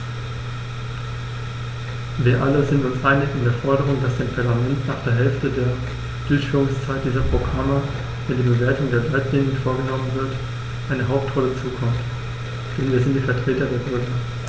Wir alle sind uns einig in der Forderung, dass dem Parlament nach der Hälfte der Durchführungszeit dieser Programme, wenn die Bewertung der Leitlinien vorgenommen wird, eine Hauptrolle zukommt, denn wir sind die Vertreter der Bürger.